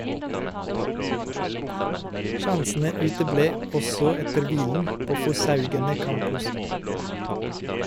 Sjansene uteble også etter hvilen på Fosshaugane Campus.